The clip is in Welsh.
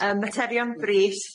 Yym materion brys...